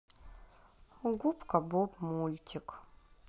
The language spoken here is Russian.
губка боб мультик